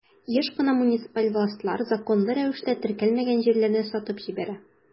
Еш кына муниципаль властьлар законлы рәвештә теркәлмәгән җирләрне сатып җибәрә.